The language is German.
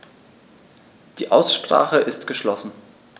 Die Aussprache ist geschlossen.